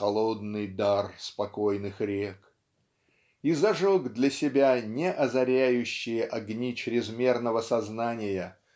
холодный дар спокойных рек" и зажег для себя неозаряющие огни чрезмерного сознания